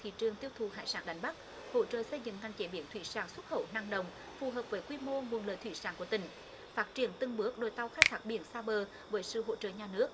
thị trường tiêu thụ hải sản đánh bắt hỗ trợ xây dựng ngành chế biến thủy sản xuất khẩu năng động phù hợp với quy mô nguồn lợi thủy sản của tỉnh phát triển từng bước đuổi tàu khai thác biển xa bờ với sự hỗ trợ nhà nước